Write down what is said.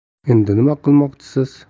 endi nima qilmoqchisiz